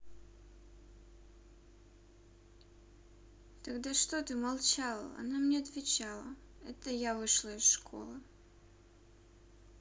тогда что ты молчал она мне отвечала это я вышла из школы